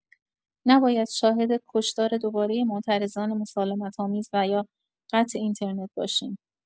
نباید شاهد کشتار دوبارۀ معترضان مسالمت‌آمیز و یا قطع اینترنت باشیم.